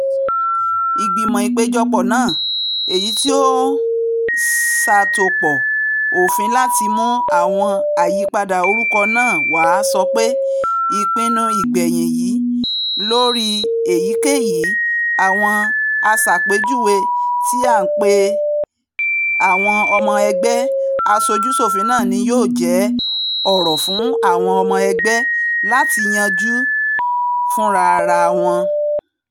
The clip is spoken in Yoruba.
Ìgbìmọ̀ Ìpéjọpọ̀ náà, èyítí ó ń ṣàtópọ òfin láti mú àwọn àyípadà orúkọ náà wá, sọpe: “Ìpinnu ìgbẹ̀yìn yìí lóri èyikẹ́yìí àwọn àṣàpèjúwe tí a pè àwọn Ọmọ Ẹgbẹ́ Aṣojú-ṣòfin náà ni yóò jẹ ọ̀rọ̀ fún àwọn ọmọ ẹgbẹ́ láti yanjú fúnrarawọn.”